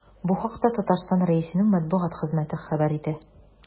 Бу хакта Татарстан Рәисенең матбугат хезмәте хәбәр итә.